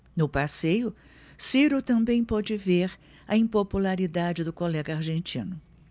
no passeio ciro também pôde ver a impopularidade do colega argentino